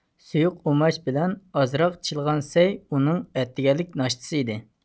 سۇيۇق ئۇماچ بىلەن ئازراق چىلىغان سەي ئۇنىڭ ئەتىگەنلىك ناشتىسى ئىدى